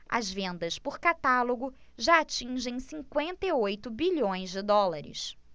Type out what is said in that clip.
as vendas por catálogo já atingem cinquenta e oito bilhões de dólares